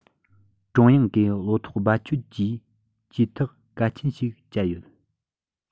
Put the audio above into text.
ཀྲུང དབྱང གིས བློ ཐག རྦད ཆོད ཀྱིས ཇུས ཐག གལ ཆེན ཞིག བཅད ཡོད